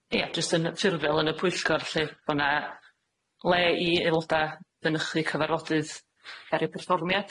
Ia, jyst yn naturfiol yn y pwyllgor lly, bo' 'na le i aeloda' fynychu cyfarfodydd herio perfformiad,